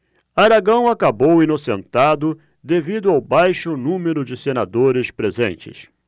aragão acabou inocentado devido ao baixo número de senadores presentes